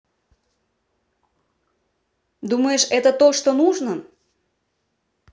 думаешь это то что нужно